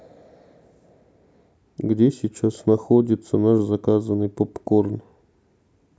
где сейчас находится наш заказанный попкорн